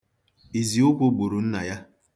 Iziụkwụ gburu nna ya.